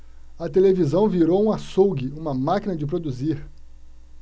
a televisão virou um açougue uma máquina de produzir